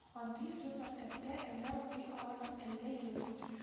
Андый зур мәктәптә әллә укый аласың, әллә юк